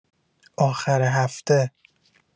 آخر هفته